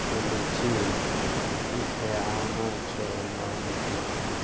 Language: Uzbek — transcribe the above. kelechi ixeanacho mualliflik qildi